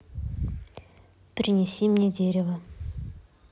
принеси мне дерево